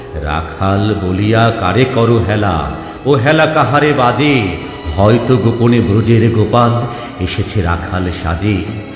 রাখাল বলিয়া কারে করো হেলা ওহেলা কাহারে বাজে হয়ত গোপনে ব্রজের গোপাল এসেছে রাখাল সাজে